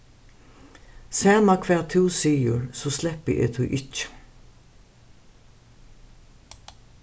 sama hvat tú sigur so sleppi eg tí ikki